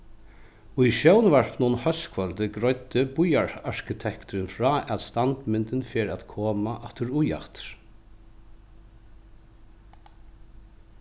í sjónvarpinum hóskvøldið greiddi býararkitekturin frá at standmyndin fer at koma afturíaftur